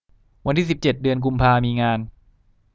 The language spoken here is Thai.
วันที่สิบเจ็ดเดือนกุมภามีงาน